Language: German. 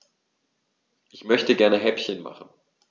Ich möchte gerne Häppchen machen.